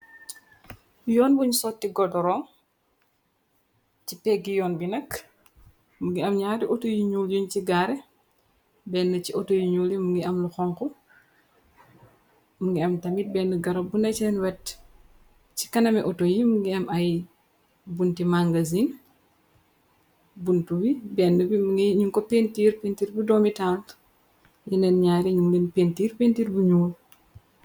Yoon buñ sotti godoron ci peggi yoon bi nakk mungi am ñaari auto yi ñuul yuñ ci gaare benn ci auto yi ñuli mungi am lu xonk mu ngi am tamit benn garab bu na seen wet ci kanami auto yi mungi am ay bunti mangazing buntu wi benn bi mungi ñu ko pintiir pintiir bu doomi tal yeneen ñaari ñu ngin pintiir pintiir bu ñyuul.